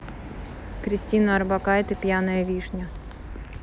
кристина орбакайте пьяная вишня